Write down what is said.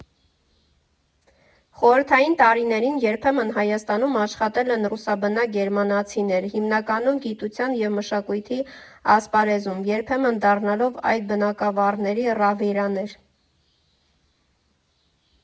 Խորհրդային տարիներին երբեմն Հայաստանում աշխատել են ռուսաբնակ գերմանացիներ, հիմնականում գիտության և մշակույթի ասպարեզում՝ երբեմն դառնալով այդ բնագավառների ռահվիրաներ։